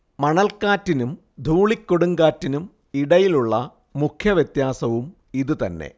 മണൽക്കാറ്റിനും ധൂളിക്കൊടുങ്കാറ്റിനും ഇടയിലുള്ള മുഖ്യവ്യത്യാസവും ഇതുതന്നെ